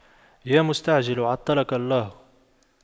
يا مستعجل عطلك الله